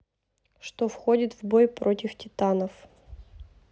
что входит в бой против титанов